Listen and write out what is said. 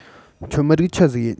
ཁྱོད མི རིགས ཆི ཟིག ཡིན